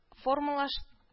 Формалаш